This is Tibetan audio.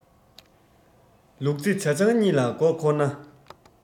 ལུག རྫི ཇ ཆང གཉིས ལ མགོ འཁོར ན